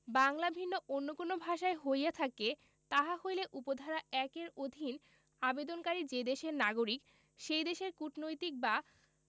বাংলা ভিন্ন অন্য কোন ভাষায় হইয়া থাকে তাহা হইলে উপ ধারা ১ এর অধীন আবেদনকারী যে দেশের নাগরিক সেই দেশের কূটনৈতিক বা